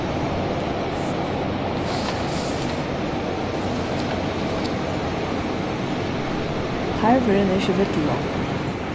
tarvurin er ikki villur longur